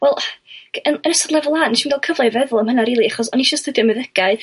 wel yn ystod lefel a ges i ddim cyfla i feddwl am hyna rili achos oni isio astudio meddygaeth